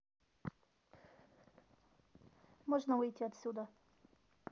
можно выйти отсюда